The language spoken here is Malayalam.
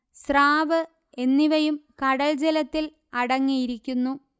സ്രാവ് എന്നിവയും കടൽ ജലത്തിൽ അടങ്ങിയിരിക്കുന്നു